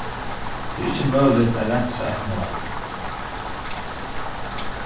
tað er ikki møguligt at reinsa eitt mál